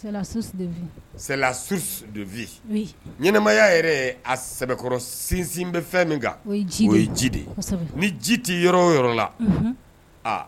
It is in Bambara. C'est la source de vie, c'est la source de vie, oui, ɲanamaya yɛrɛ a sɛbɛkɔrɔ sinsin bɛ fɛn min kan, o ye ji de ye, kosɛbɛ., ni ji tɛ yɔrɔ o yɔrɔ la, unhun , aa